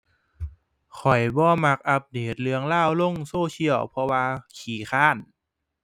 ข้อยบ่มักอัปเดตเรื่องราวลงโซเชียล เพราะว่าขี้คร้าน